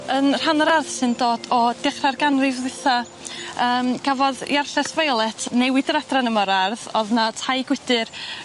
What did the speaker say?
...yn rhan yr ardd sy'n dod o dechra'r ganrif dditha yym gafodd Iarlles Violet newid yr adran yma o'r ardd o'dd 'na tai gwydyr